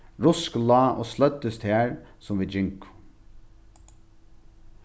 rusk lá og sløddist har sum vit gingu